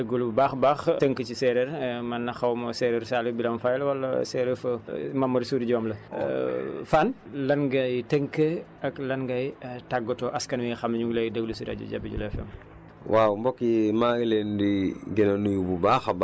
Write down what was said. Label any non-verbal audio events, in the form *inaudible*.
kon xam naa ne waxtaan bi dañ koy tënk fii di leen jégalu bu baax a baax tënk si séeréer *hesitation* man xaw ma séeréer Saliou Birame Faye la wala séeréer *hesitation* Momadou Sorry Diop la *hesitation* Fane lan ngay tënk ak lan ngay *hesitation* tàggatoo askan wi nga xam ne énu ngi lay déglu si rajo Jabi jula *noise* FM